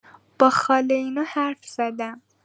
با خاله اینا حرف زدم